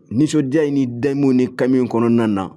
Nisɔndiya in ni dayimu ni kami kɔnɔna na